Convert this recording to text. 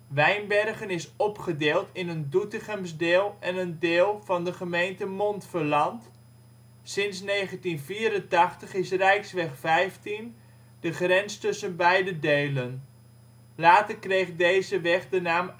Wijnbergen is opgedeeld in een Doetinchems deel en een deel van de gemeente Montferland. Sinds 1984 is Rijksweg 15 de grens tussen beide delen. Later kreeg deze weg de naam